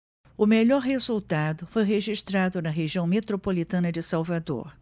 o melhor resultado foi registrado na região metropolitana de salvador